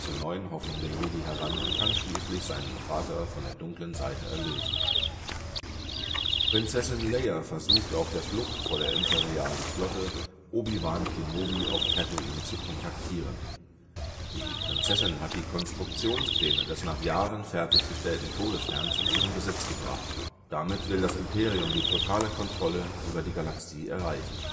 neuen Hoffnung der Jedi heran und kann schließlich seinen Vater von der Dunklen Seite erlösen. Prinzessin Leia versucht auf der Flucht vor der imperialen Flotte, Obi-Wan Kenobi auf Tatooine zu kontaktieren. Die Prinzessin hat die Konstruktionspläne des nach Jahren fertig gestellten Todessterns in ihren Besitz gebracht. Damit will das Imperium die totale Kontrolle über die Galaxie erreichen